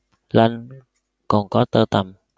lanh còn có tơ tằm